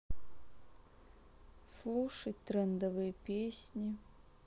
слушать трендовые песни